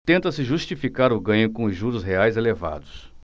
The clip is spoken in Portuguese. tenta-se justificar o ganho com os juros reais elevados